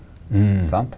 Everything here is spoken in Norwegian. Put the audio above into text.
sant?